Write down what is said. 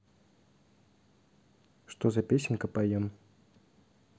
что за песенка поем